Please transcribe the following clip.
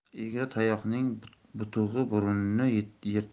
egri tayoqning butog'i burunni yirtar